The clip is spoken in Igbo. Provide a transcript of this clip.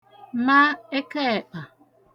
ma ẹkaẹ̀kpà